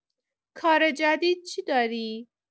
کار جدید چی داری؟